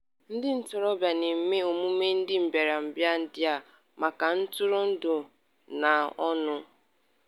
Ndị ntorobịa na-eme emume ndị mbịarambịa ndị a maka ntụrụndụ na ọṅụ.